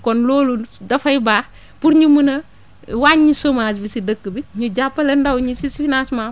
kon loolu dafay baax pour mën a wàññi chomage bi si dëkk bi ñu jàppale ndaw ñi si finacement